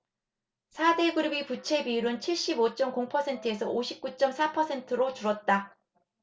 사 대그룹의 부채비율은 칠십 오 쩜 공 퍼센트에서 오십 구 쩜 사 퍼센트로 줄었다